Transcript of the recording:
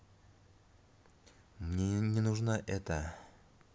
мне не нужна эта